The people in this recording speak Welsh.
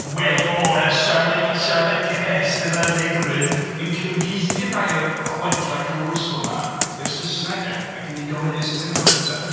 Whale bone ... Charlotte Guest yna yn Ne Cymru, yn cyfieithu rhai o'r chwedlau canoloesol 'ma i'r Saesneg ac yn eu cyhoeddi yn Saesneg am y tro cyntaf.